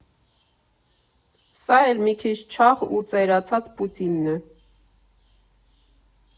Սա էլ մի քիչ չաղ ու ծերացած Պուտինն է…